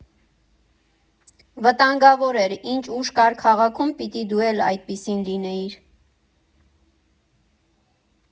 Վտանգավոր էր՝ ինչ ոճ կար քաղաքում, պիտի դու էլ այդպիսին լինեիր։